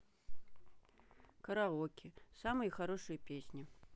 караоке самые хорошие песни